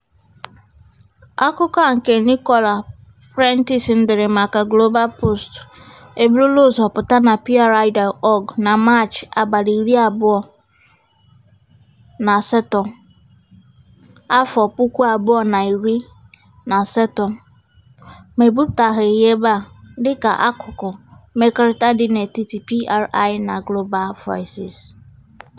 Akụkọ a nke Nicola Prentis dere maka GlobalPost e bụrụla ụzọ pụta na PRI.org na Maachị 28, 2018, ma e bipụtagharị ya ebe a dịka akụkụ mmekorita dị n'etiti PRI na Global Voices.